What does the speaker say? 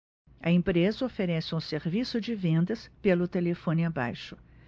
a empresa oferece um serviço de vendas pelo telefone abaixo